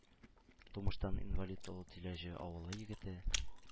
Тумыштан инвалид Олы Тиләҗе авылы егете